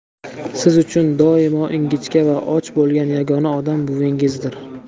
siz uchun doimo ingichka va och bo'lgan yagona odam buvingizdir